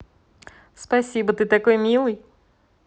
спасибо ты такой милый